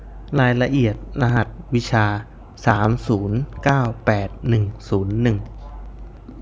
รายละเอียดรหัสวิชาสามศูนย์เก้าแปดหนึ่งศูนย์หนึ่ง